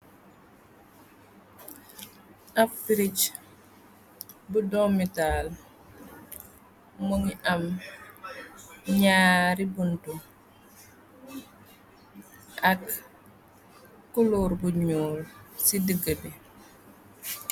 Ab fiirich bu dommitaal mungi am ñaari buntu ak culoor bu ñyool ci dëggi bi.